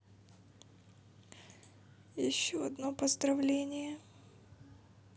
еще одно поздравление